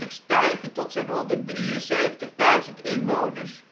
stijgen tot zo 'n 173.000 inwoners